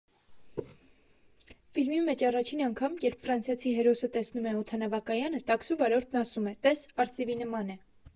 Ֆիլմի մեջ առաջին անգամ, երբ ֆրանսիացի հերոսը տեսնում է օդանավակայանը, տաքսու վարորդն ասում է՝ «տե՛ս, արծիվի նման է»։